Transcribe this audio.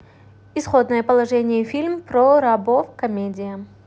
исходное положение фильм про рабов комедия